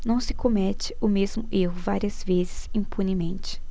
não se comete o mesmo erro várias vezes impunemente